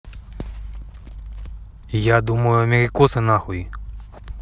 я думаю америкосы нахуй